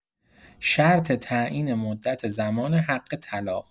شرط تعیین مدت‌زمان حق طلاق